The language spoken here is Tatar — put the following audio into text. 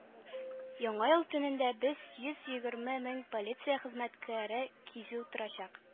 Яңа ел төнендә без йөз егерме мең полиция хезмәткәре кизү торачак.